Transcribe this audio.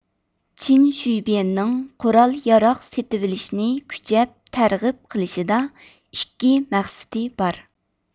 چېن شۈيبىيەننىڭ قورال ياراغ سېتىۋېلىشنى كۈچەپ تەرغىب قىلىشىدا ئىككى مەقسىتى بار